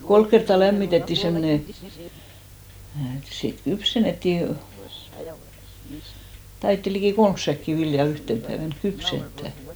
kolme kertaa lämmitettiin semmoinen en minä tiedä sitten kypsennettiin taidettiin liki kolme säkkiä viljaa yhtenä päivänä kypsentää